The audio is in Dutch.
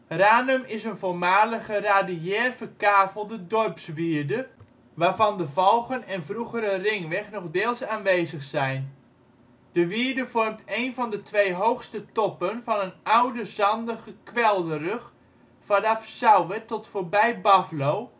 Ranum is een voormalige radiair verkavelde dorpswierde waarvan de valgen en vroegere ringweg nog deels aanwezig zijn. De wierde vormt een van de twee hoogste toppen van een oude zandige kwelderrug vanaf Sauwerd tot voorbij Baflo